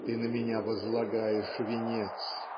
Ты на меня возлагаешь венец? .